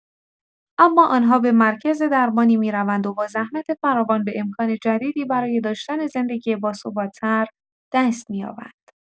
اما آن‌ها به مرکز درمانی می‌روند و با زحمت فراوان به امکان جدیدی برای داشتن زندگی باثبات‌تر دست می‌یابند.